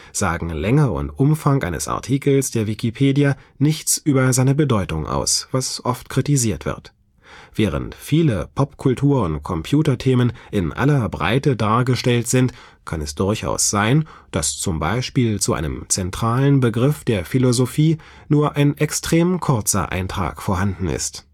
sagen Länge und Umfang eines Artikels der Wikipedia nichts über seine Bedeutung aus, was oft kritisiert wird. Während viele Popkultur - und Computerthemen in aller Breite dargestellt sind, kann es durchaus sein, dass zum Beispiel zu einem zentralen Begriff der Philosophie nur ein extrem kurzer Eintrag vorhanden ist